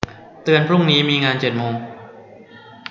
เตือนพรุ่งนี้มีงานเจ็ดโมง